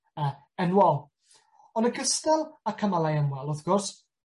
yy enwol. Yn ogystal â cymalau enwol wrth gwrs